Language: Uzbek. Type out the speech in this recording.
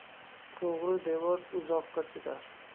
to'g'ri devor uzoqqa chidar